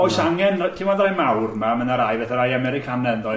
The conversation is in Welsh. Oes angen, ti'n gwbod y rai mawr yma, ma' rai fatha rai Americanedd yndoes?